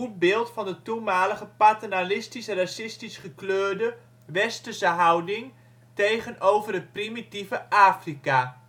beeld van de toenmalige paternalistisch-racistisch gekleurde westerse houding tegenover het ' primitieve ' Afrika